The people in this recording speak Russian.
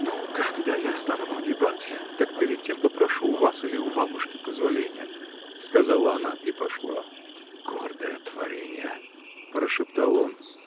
— Ну, когда я стану погибать, так перед тем попрошу у вас или у бабушки позволения! — сказала она и пошла. — Гордое творение! — прошептал он.